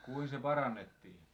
kuinka se parannettiin